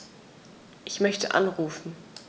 Ich möchte anrufen.